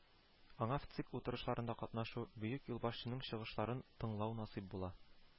Аңа ВЦИК утырышларында катнашу, бөек юлбашчының чыгышларын тыңлау насыйп була